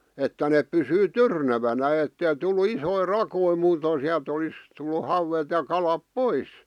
että ne pysyi tyrnävänä että ei tullut isoja rakoja muuten sieltä olisi tullut hauet ja kalat pois